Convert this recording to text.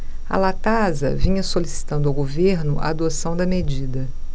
a latasa vinha solicitando ao governo a adoção da medida